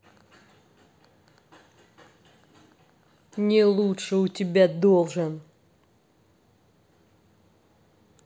не лучше у тебя должен